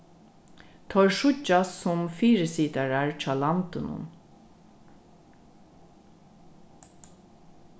teir síggjast sum fyrisitarar hjá landinum